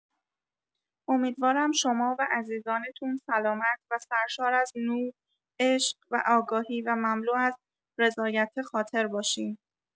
امیدوارم شما و عزیزانتون سلامت و سرشار از نور، عشق و آگاهی و مملو از رضایت خاطر باشین